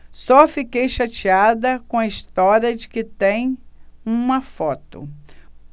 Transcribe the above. só fiquei chateada com a história de que tem uma foto